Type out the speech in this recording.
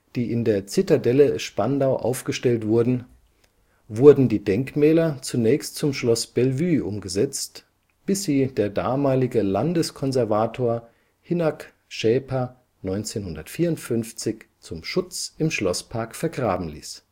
die in der Zitadelle Spandau aufgestellt wurden, wurden die Denkmäler zunächst zum Schloss Bellevue umgesetzt, bis sie der damalige Landeskonservator Hinnerk Scheper 1954 zum Schutz im Schlosspark vergraben ließ